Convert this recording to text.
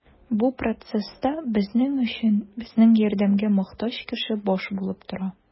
Бу процесста безнең өчен безнең ярдәмгә мохтаҗ кеше баш булып тора.